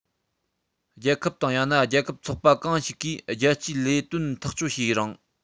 རྒྱལ ཁབ དང ཡང ན རྒྱལ ཁབ ཚོགས པ གང ཞིག གིས རྒྱལ སྤྱིའི ལས དོན ཐག གཅོད བྱེད རིང